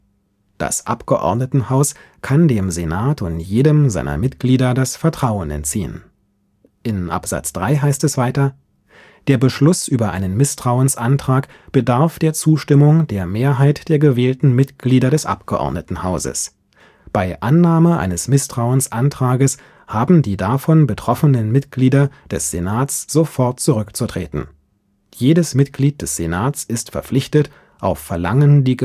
Das Abgeordnetenhaus kann dem Senat und jedem seiner Mitglieder das Vertrauen entziehen. (Absatz 2 Satz 1) Der Beschluss über einen Misstrauensantrag bedarf der Zustimmung der Mehrheit der gewählten Mitglieder des Abgeordnetenhauses. Bei Annahme eines Misstrauensantrages haben die davon betroffenen Mitglieder des Senats sofort zurückzutreten. Jedes Mitglied des Senats ist verpflichtet, auf Verlangen die